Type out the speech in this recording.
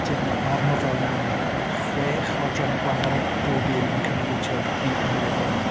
Ti'n gwbod ma' ma'r nofel mewn dwi'n meddwl chwech o adrannau gwahanol, a bob un yn canolbwyntio ar brif gymeriad gwahanol.